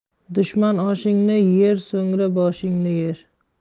dushman oshingni yer so'ngra boshingni yer